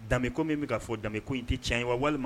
Da kɔmi min bɛ' fɔ dami ko in tɛ tiɲɛ ye wa walima